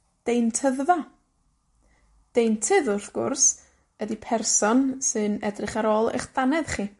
Deintyddfa. Deintydd, wrth gwrs, ydi person sy'n edrych ar ôl eich dannedd chi.